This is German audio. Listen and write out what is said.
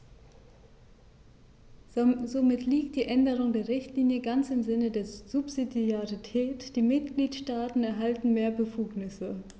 Somit liegt die Änderung der Richtlinie ganz im Sinne der Subsidiarität; die Mitgliedstaaten erhalten mehr Befugnisse.